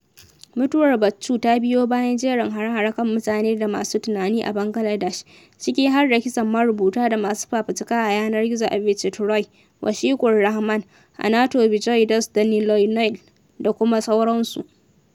Mutuwar Bachchu ta biyo bayan jerin hare-hare kan mutane da masu tunani a Bangladesh, ciki har da kisan marubuta da masu fafutuka a yanar gizo Avijit Roy, Washiqur Rahman, Ananto Bijoy Das da Niloy Neel, da kuma sauransu.